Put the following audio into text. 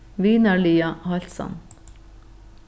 vinarliga heilsan